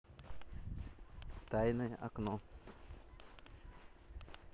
тайное окно